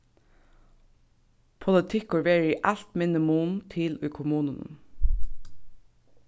politikkur verður í alt minni mun til í kommununum